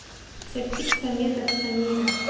сакит самедов самира